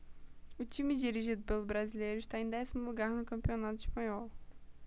o time dirigido pelo brasileiro está em décimo lugar no campeonato espanhol